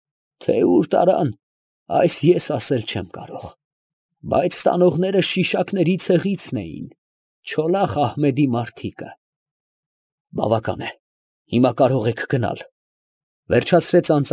Թե ուր տարան, այս ես ասել չեմ կարող. բայց տանողները շիշակների ցեղիցն էին, Չոլախ֊Ահմեդի մարդիկը։ ֊ Բավական է, Հիմա կարող եք գնալ,֊ վերջացրեց։